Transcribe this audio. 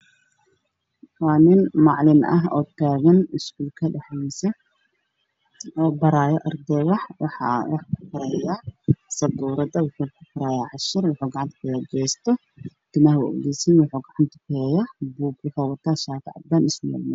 Waa nin macalin ah oo taagan iskuulka dhexdiisa oo baraayo arday waxuu qorayaa sabuurada waxbuu ku qoraayaa waa cashir wuxuu gacanta ku haayaa jeesto timaha way u daysan yihiin wuxuu wataa shaati cadaan ah iyo surwaal madow ah.